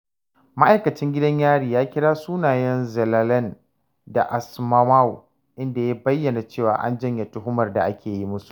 Ma'aikacin gidan Yari ya kira sunayen Zelalem da Asmamaw, inda ya bayyana cewa an janye tuhumar da ake yi musu.